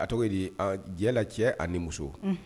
A tɔgɔ ye di a jɛ la cɛ ani ni muso unhun